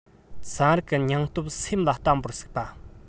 ཚན རིག གི སྙིང སྟོབས སེམས ལ བརྟན པོར ཟུག པ